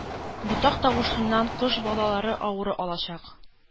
Ботак тавышыннан кош балалары авыру алачак...